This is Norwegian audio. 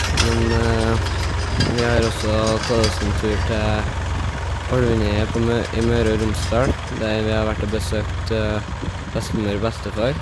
Men vi har også tatt oss en tur til Ålvundeidet på mø i Møre og Romsdal, der vi har vært og besøkt bestemor og bestefar.